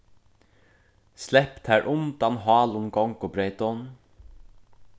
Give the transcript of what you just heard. slepp tær undan hálum gongubreytum